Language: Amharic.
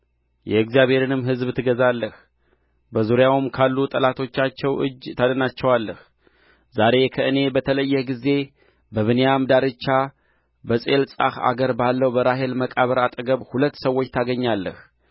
የእግዚአብሔርንም ሕዝብ ትገዛለህ በዙሪያውም ካሉ ጠላቶቻቸው እጅ ታድናቸዋለህ ዛሬ ከእኔ በተለየህ ጊዜ በብንያም ዳርቻ በጼልጻህ አገር ባለው በራሔል መቃብር አጠገብ ሁለት ሰዎች ታገኛለህ